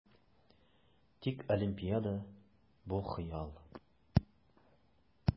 Тик Олимпиада - бу хыял!